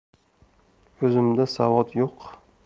o'zimda savod yo'q